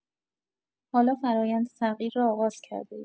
حالا فرایند تغییر را آغاز کرده‌اید.